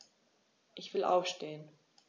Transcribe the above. Ich will aufstehen.